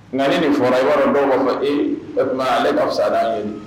Nkaani nin fɔra walima dɔw b'a fɔ e ale ka fisasa d'a ye